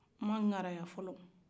nma ngaraya fɔlɔ